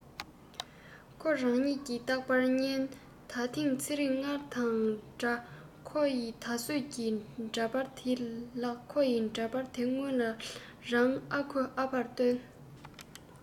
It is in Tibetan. ཁོ རང ཉིད ཀྱི རྟག པར བརྙན ད ཐེངས ཚེ རིང སྔར དང འདྲ ཁོ ཡི ད གཟོད ཀྱི འདྲ པར དེའི ལག ཁོ ཡི འདྲ པར དེ སྔོན ལ རང ཨ ཁུས ཨ ཕར སྟོན